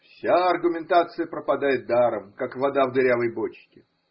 Вся аргументация пропадает даром, как вода в дырявой бочке.